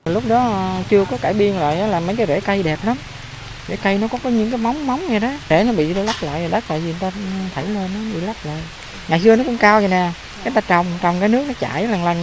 lúc đó chưa có cải biên lại là mấy cái rễ cây đẹp lắm rễ cây nó có những cái móng móng nhà đã bị lấp lại đã có niềm đam mê nó ngồi lặng lẽ ngày xưa nó cũng cậy nè trồng là nước chảy